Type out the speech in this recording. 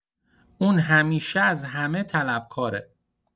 اون همیشه از همه طلبکاره!